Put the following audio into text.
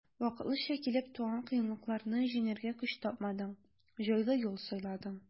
Вакытлыча килеп туган кыенлыкларны җиңәргә көч тапмадың, җайлы юл сайладың.